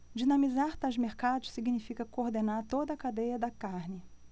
dinamizar tais mercados significa coordenar toda a cadeia da carne